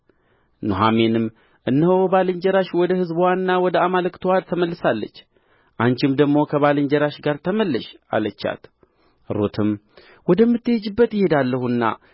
ኑኃሚንም እነሆ ባልንጀራሽ ወደ ሕዝብዋና ወደ አማልክትዋ ተመልሳለች አንቺም ደግሞ ከባልንጀራሽ ጋር ተመለሽ አለቻት ሩትም ወደምትሄጅበት እሄዳለሁና